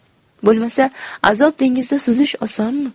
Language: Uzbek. bo'lmasa azob dengizda suzish osonmi